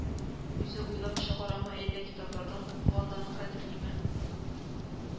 Үзе уйлап чыгарамы, әллә китаплардан укыганнарын хәтерлиме